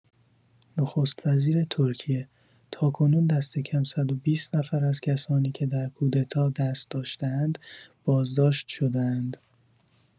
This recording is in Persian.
نخست‌وزیر ترکیه: تاکنون دستکم ۱۲۰ نفر از کسانی که در کودتا دست داشته‌اند، بازداشت شده‌اند.